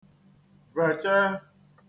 vèche